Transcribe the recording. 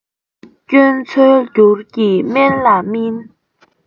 སྐྱོན འཚོལ འགྱུར གྱི དམན ལ མིན